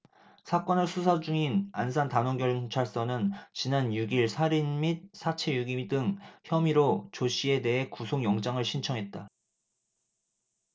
사건을 수사중인 안산단원경찰서는 지난 육 일 살인 및 사체유기 등 혐의로 조씨에 대해 구속영장을 신청했다